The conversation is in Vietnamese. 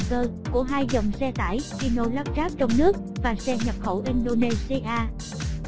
của dòng xe tải hino lắp ráp trong nước và xe nhập khẩu indonesia